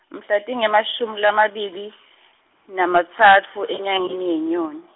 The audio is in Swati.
mhla tingemashumi lamabili, nakutsatfu enyangeni yeNyoni.